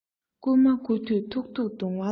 རྐུན མ རྐུ དུས ཐུག ཐུག རྡུང བ འདྲ